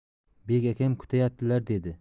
bek akam kutyaptilar dedi